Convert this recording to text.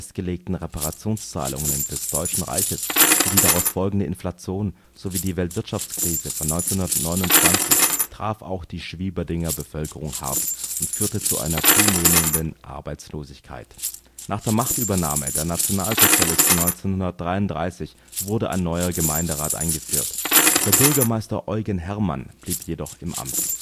festgelegten Reparationszahlungen des Deutschen Reiches und die daraus folgende Inflation sowie die Weltwirtschaftskrise von 1929 traf auch die Schwieberdinger Bevölkerung hart und führte zu einer zunehmenden Arbeitslosigkeit. Nach der Machtübernahme der Nationalsozialisten 1933 wurde ein neuer Gemeinderat eingeführt. Der Bürgermeister Eugen Herrmann blieb jedoch im Amt